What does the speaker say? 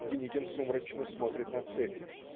Деникин сумрачно смотрит на цепи.